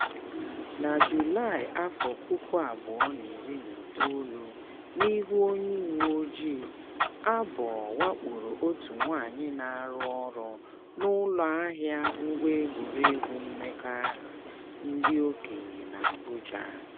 Na Julaị 2019, n’ihu onye uweojii, Abbo wakporo otu nwaanyị na-arụ ọrụ n’ụlọ ahịa ngwa egwuregwu mmekọahụ ndị okenye n'Abuja.